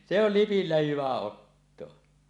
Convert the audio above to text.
se on lipillä hyvä ottaa